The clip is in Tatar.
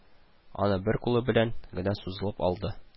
Аны бер кулы белән генә сузылып алды